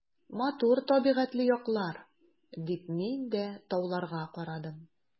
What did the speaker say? Матур табигатьле яклар, — дип мин дә тауларга карадым.